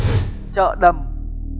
chợ đầm